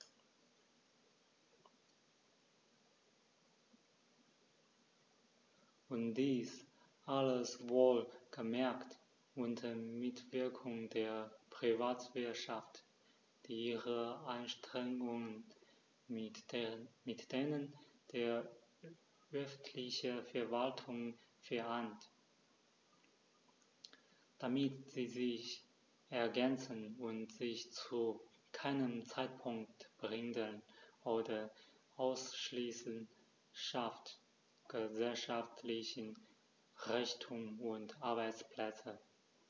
Und dies alles - wohlgemerkt unter Mitwirkung der Privatwirtschaft, die ihre Anstrengungen mit denen der öffentlichen Verwaltungen vereint, damit sie sich ergänzen und sich zu keinem Zeitpunkt behindern oder ausschließen schafft gesellschaftlichen Reichtum und Arbeitsplätze.